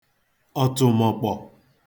ọ̀tụ̀mọ̀kpọ̀